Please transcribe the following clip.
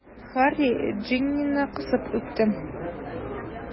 Һарри Джиннины кысып үпте.